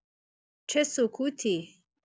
چه سکوتی!